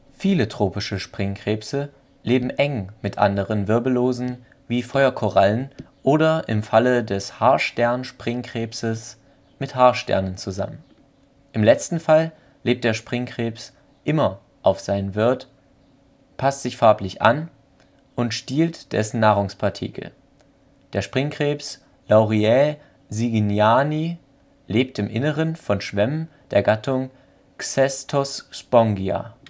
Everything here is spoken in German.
Viele tropische Springkrebse leben eng mit anderen Wirbellosen, wie Feuerkorallen oder im Falle des Haarstern-Springkrebses (Allogalathea elegans) mit Haarsternen zusammen. Im letzten Fall lebt der Springkrebse immer auf seinem Wirt, passt sich farblich an, und stiehlt diesem Nahrungspartikel. Der Springkrebs Lauriea siagiani lebt im Innern von Schwämmen der Gattung Xestospongia